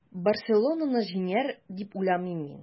“барселона”ны җиңәр, дип уйламыйм мин.